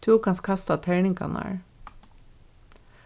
tú kanst kasta terningarnar